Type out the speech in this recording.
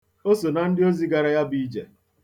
O so na ndịozi gara ya bụ ije.